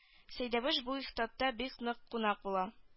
Сәйдәшев бу ихатада бик нык кунак була